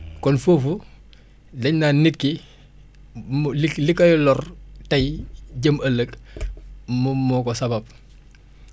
kon foofu dañ naan nit ki mu li koy lor tey jëm ëllëg moom moo ko sabab